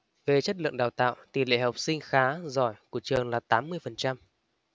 về chất lượng đào tạo tỉ lệ học sinh khá giỏi của trường là tám mươi phần trăm